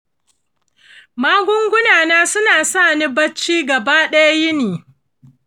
magunguna na suna sani jin bacci gaba ɗayan yini.